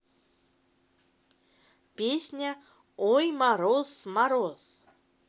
песня ой мороз мороз